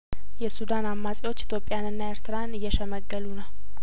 የሱዳን አማጺዎች ኢትዮጵያንና ኤርትራን እየሸመገሉ ነው